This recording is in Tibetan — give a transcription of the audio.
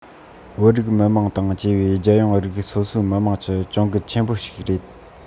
བོད རིགས མི དམངས དང བཅས པའི རྒྱལ ཡོངས རིགས སོ སོའི མི དམངས ཀྱི གྱོང གུད ཆེན པོ ཞིག རེད